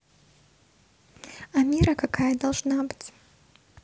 амира какая должна быть